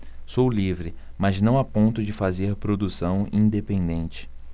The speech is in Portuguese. sou livre mas não a ponto de fazer produção independente